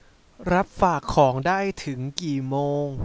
รับฝากของได้ถึงกี่โมง